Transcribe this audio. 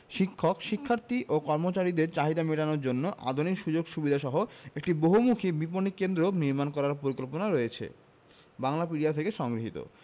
শিক্ষক শিক্ষার্থী ও কর্মচারীদের চাহিদা মেটানোর জন্য আধুনিক সুযোগ সুবিধাসহ একটি বহুমুখী বিপণি কেন্দ্রও নির্মাণ করার পরিকল্পনা রয়েছে বাংলাপিডিয়া থেকে সংগৃহীত